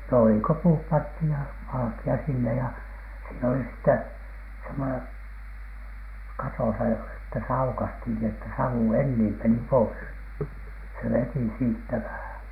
no ei kuin puut pantiin ja valkea sinne ja siinä oli sitten semmoinen katossa ja että se aukaistiin niin että savu enin meni pois se veti siitä vähän